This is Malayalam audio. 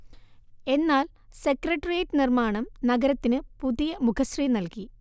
എന്നാൽ സെക്രട്ടേറിയറ്റ് നിര്മ്മാണം നഗരത്തിന് പുതിയ മുഖശ്രീ നല്കി